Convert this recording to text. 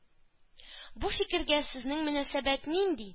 Бу фикергә сезнең мөнәсәбәт нинди?